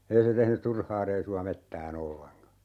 ei se tehnyt turhaa reissua metsään ollenkaan